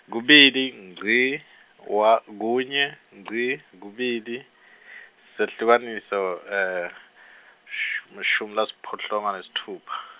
kubili ngci, wa kunye, ngci kubili, sehlukaniso shu- mashumi lasiphohlongo nesitfupha.